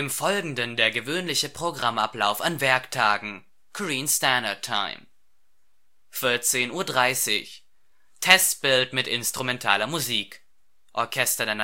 Folgenden der gewöhnliche Programmablauf an Werktagen (Korean Standard Time): 14:30 Testbild mit instrumentaler Musik (Orchester